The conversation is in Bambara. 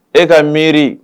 E ka miiri